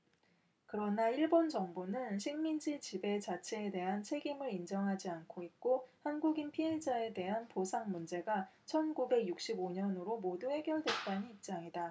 그러나 일본 정부는 식민지 지배 자체에 대한 책임을 인정하지 않고 있고 한국인 피해자에 대한 보상 문제가 천 구백 육십 오 년으로 모두 해결됐다는 입장이다